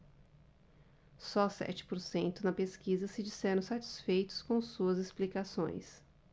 só sete por cento na pesquisa se disseram satisfeitos com suas explicações